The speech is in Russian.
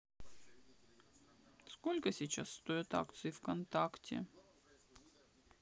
сколько сейчас стоят акции в контакте